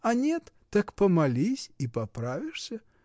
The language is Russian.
А нет, так помолись — и поправишься.